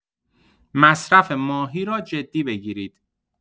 مصرف ماهی را جدی بگیرید.